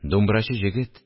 Думбрачы җегет